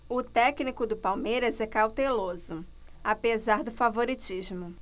o técnico do palmeiras é cauteloso apesar do favoritismo